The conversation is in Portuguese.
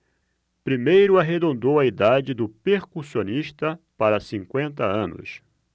primeiro arredondou a idade do percussionista para cinquenta anos